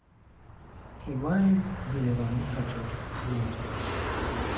Հիմա էլ Երևանի հաջորդ փուլն է.